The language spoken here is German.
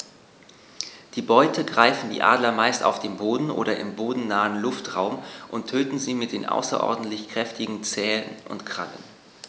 Die Beute greifen die Adler meist auf dem Boden oder im bodennahen Luftraum und töten sie mit den außerordentlich kräftigen Zehen und Krallen.